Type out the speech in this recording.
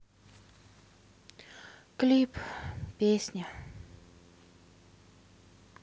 клип песня